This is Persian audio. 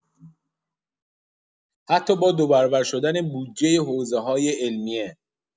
حتی با ۲ برابر شدن بودجۀ حوزه‌های علمیه